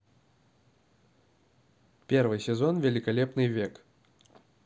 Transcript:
первый сезон великолепный век